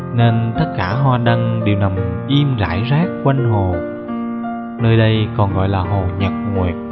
nên tất cả hoa đăng đều nằm im rải rác quanh hồ nơi đây còn gọi là hồ nhật nguyệt